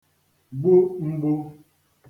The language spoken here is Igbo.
gbu m̄gbū